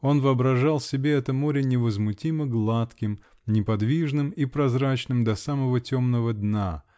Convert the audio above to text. он воображал себе это море невозмутимо гладким, неподвижным и прозрачным до самого темного дна